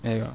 eyyo